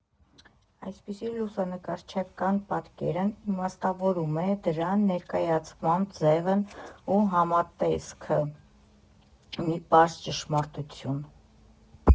Այսպիսով, լուսանկարչական պատկերն իմաստավորում է դրա ներկայացման ձևն ու համատեքստը, մի պարզ ճշմարտություն.